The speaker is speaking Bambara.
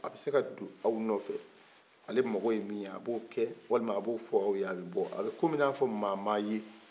a bese ka do aw nɔfɛ ale mako ye min ye a b'o kɛ walima a b'o fɔ a be bɔ a be kom'i n'a fɔ maa man ye